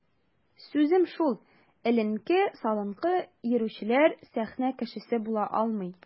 Сүзем шул: эленке-салынкы йөрүчеләр сәхнә кешесе була алмый.